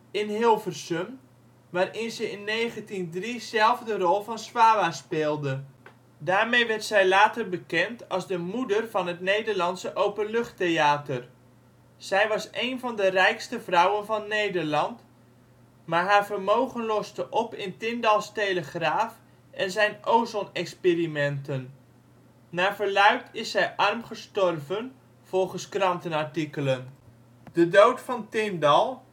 in Hilversum, waarin ze in 1903 zelf de rol van Swawa speelde. Daarmee werd zij later bekend als ' de moeder van het Nederlandse openluchttheater '. Zij was een van de rijkste vrouwen van Nederland, maar haar vermogen loste op in Tindals Telegraaf, en zijn ozonexperimenten. Naar verluidt is zij arm gestorven, volgens krantenartikelen. De dood van Tindal